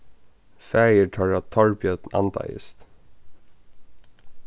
faðir teirra torbjørn andaðist